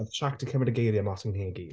Oedd Shaq 'di cymryd y geiriau mas o ngheg i.